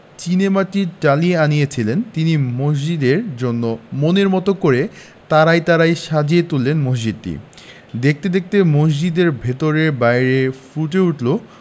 চীনেমাটির টালি আনিয়েছিলেন তিনি মসজিদের জন্যে মনের মতো করে তারায় তারায় সাজিয়ে তুললেন মসজিদ দেখতে দেখতে মসজিদের ভেতরে বাইরে ফুটে উঠলো